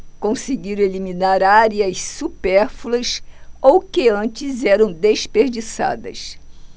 conseguiram eliminar áreas supérfluas ou que antes eram desperdiçadas